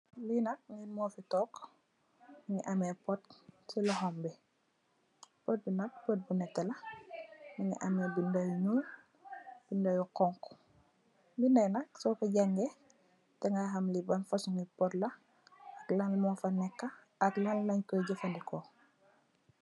Lenak nit mu fi tuk si pot. pot bi nak pot bu nette la mu am binda yu honhu binda yu nak suko jange ge ga de ga ham ban fason gi pot lalan mufa neka lufa neka ak lan lenko and lan lenko gefandeko.